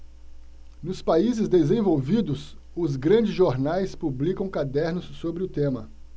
nos países desenvolvidos os grandes jornais publicam cadernos sobre o tema